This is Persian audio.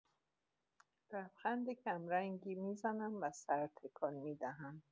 لبخند کم‌رنگی می‌زنم و سر تکان می‌دهم.